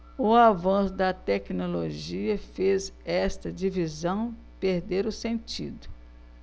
o avanço da tecnologia fez esta divisão perder o sentido